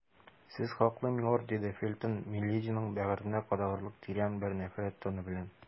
Сез хаклы, милорд, - диде Фельтон милединың бәгыренә кадалырлык тирән бер нәфрәт тоны белән.